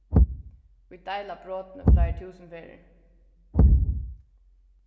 ið deila brotini fleiri túsund ferðir